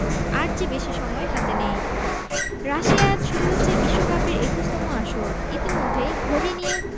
আর যে বেশি সময় হাতে নেই রাশিয়ায় আজ শুরু হচ্ছে বিশ্বকাপের ২১তম আসর ইতিমধ্যেই ঘড়ি নিয়ে